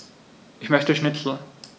Ich möchte Schnitzel.